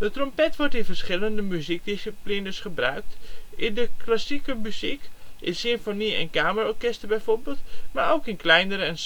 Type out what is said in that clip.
trompet wordt in verschillende muziekdisciplines gebruikt: in de klassieke muziek, in symfonie - of kamerorkesten bijvoorbeeld, maar ook in kleinere